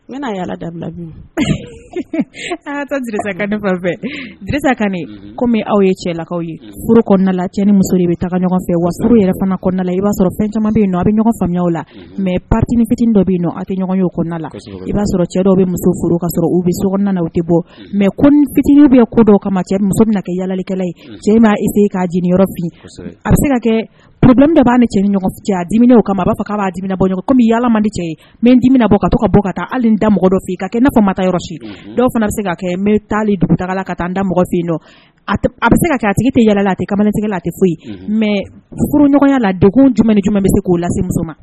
N ne fɛ kɔmi aw ye cɛlakaw yela cɛ ni muso bɛ taa ɲɔgɔn fɛ wa yɛrɛ fanala i b'a sɔrɔ caman bɛ yen nɔ aw bɛ ɲɔgɔnw la mɛ patiiniptini dɔ bɛ yen aw tɛ ɲɔgɔn ye la i b'a sɔrɔ cɛ dɔw bɛ muso furu ka sɔrɔ u bɛ so u tɛ bɔ mɛ koptini bɛ ko dɔw kama cɛ muso na kɛ yaalikɛla ye cɛ se k kaafin a bɛ se ka kɛ b'a ni a dimina o kama' fɔ b'a dimina bɔ kɔmi bɛ yalama cɛ mɛ dimina bɔ bɔ ka taa hali da mɔgɔ dɔ ka n'a fɔ ma taa yɔrɔ fɔ dɔw fana bɛ se ka kɛ mɛ taali dugutaa la ka taa n da mɔgɔ fɛ yen nɔ a bɛ se ka tigi tɛ yaala kamalenla tɛ foyi yen mɛ furu ɲɔgɔnya la don jumɛn ni ɲuman bɛ se k'o lase muso ma